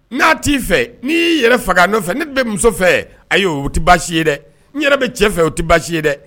N'a t'i fɛ n'i y'i yɛrɛ fagagan nɔfɛ ne bɛ muso fɛ a ye o ti baasi ye dɛ n yɛrɛ bɛ cɛ fɛ o tɛ baasi ye dɛ